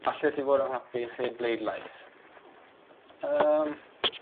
Allet ti fod yn hapus hen bleidlais? Yym.